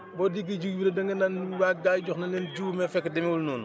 boo déggee jiw wi rek dangay naan wa ga yi jox nañ leen jiw bi mais fekk demeewul noonu